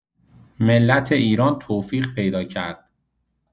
ملت ایران توفیق پیدا کرد.